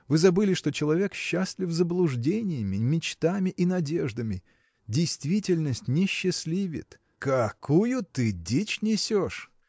Вы забыли, что человек счастлив заблуждениями, мечтами и надеждами действительность не счастливит. – Какую ты дичь несешь!